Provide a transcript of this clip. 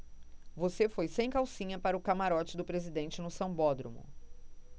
você foi sem calcinha para o camarote do presidente no sambódromo